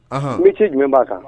I ci jumɛn b'a kan